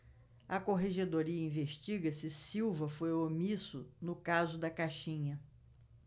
a corregedoria investiga se silva foi omisso no caso da caixinha